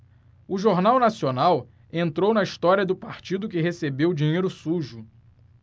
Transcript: o jornal nacional entrou na história do partido que recebeu dinheiro sujo